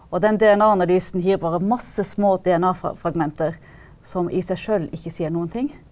og den DNA-analysen gir bare masse små DNA fragmenter som i seg sjøl ikke sier noen ting.